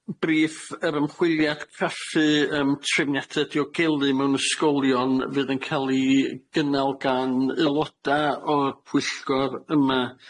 briff yr ymchwiliad craffu yym trefniada diogelu mewn ysgolion fydd yn ca'l 'i gynnal gan aeloda' o'r pwyllgor yma